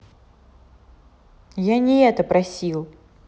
я не это просил